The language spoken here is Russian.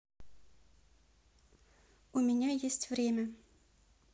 у меня есть время